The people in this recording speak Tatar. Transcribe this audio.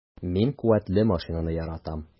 Мин куәтле машинаны яратам.